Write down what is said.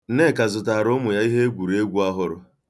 Nneka zụtara ụmụ ya iheegwuregwu ọhụrụ.